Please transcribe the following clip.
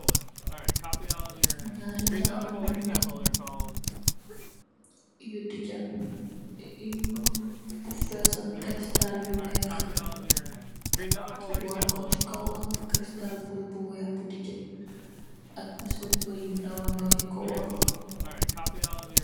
nyaari jaaru nopa yu dija yu fesak crystal yu weex woor ko si kaw am crystal bu bul bu weex bu dija ak survo yu ndawa ndaw yuko woor